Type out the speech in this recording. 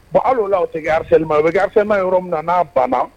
Bon hali ola o tɛ kɛ harcèlement ye. O bɛ kɛ harcèlement ye yɔrɔ min na, n'a banna